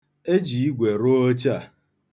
E ji igwe rụọ oche a.